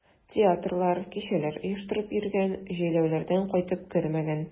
Театрлар, кичәләр оештырып йөргән, җәйләүләрдән кайтып кермәгән.